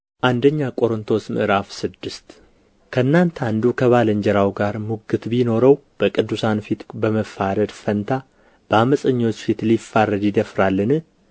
አንደኛ ቆሮንጦስ ምዕራፍ ስድስት ከእናንተ አንዱ ከባልንጀራው ጋር ሙግት ቢኖረው በቅዱሳን ፊት በመፋረድ ፋንታ በዓመፀኞች ፊት ሊፋረድ ይደፍራልን